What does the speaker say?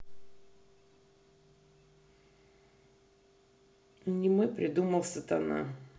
аниме придумал сатана